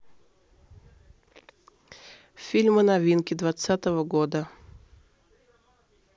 фильмы новинки двадцатого года